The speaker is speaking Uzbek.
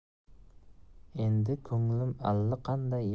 endi ko'nglim alla qanday